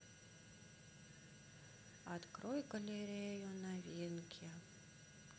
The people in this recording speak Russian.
открой галерею новинки